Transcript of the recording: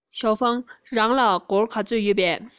ཞའོ ཧྥང རང ལ སྒོར ག ཚོད ཡོད པས